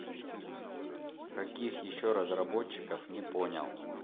каких еще разработчиков не понял